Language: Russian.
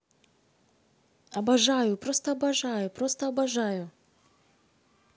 обожаю просто обожаю просто обожаю